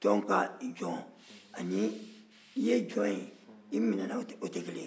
tɔn ka jɔn ani n ye jɔn o tɛ kelen ye